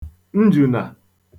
njùnà